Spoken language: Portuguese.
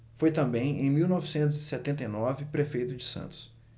foi também em mil novecentos e setenta e nove prefeito de santos